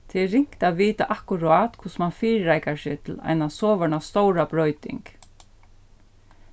tað er ringt at vita akkurát hvussu mann fyrireikar seg til eina sovorðna stóra broyting